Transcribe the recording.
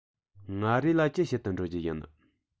མངའ རིས ལ ཅི བྱེད དུ འགྲོ རྒྱུ ཡིན